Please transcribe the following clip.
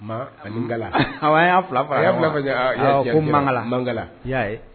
Ani aw y'a a ko y'a ye